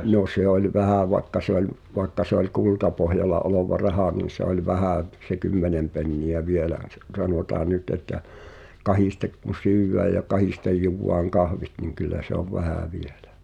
no se oli vähän vaikka se oli vaikka se oli kultapohjalla oleva raha niin se oli vähän - se kymmenen penniä vielä se sanotaan nyt että kahdesti kun syödään ja kahdesti juodaan kahvit niin kyllä se on vähän vielä